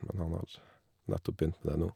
Men han har nettopp begynt med det nå.